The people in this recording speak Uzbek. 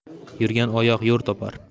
yurgan oyoq yo'l topar